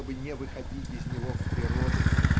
чтобы не выходить из него в природу.